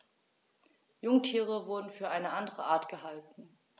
Jungtiere wurden für eine andere Art gehalten.